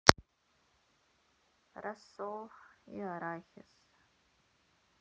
рассол и арахис